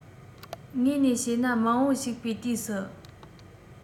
དངོས ནས བྱས ན མང པོ ཞིག པའི དུས སུ